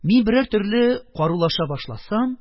Мин берәр төрле карулаша башласам,